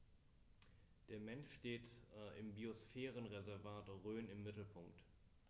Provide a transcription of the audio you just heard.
Der Mensch steht im Biosphärenreservat Rhön im Mittelpunkt.